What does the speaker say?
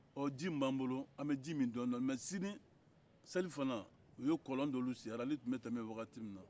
ji min b'an bolo an bɛ ji min dɔɔnin-dɔɔnin mɛ sinin selifana u ye kɔlɔn dɔw sen arali tun bɛ tɛmɛ wagati minna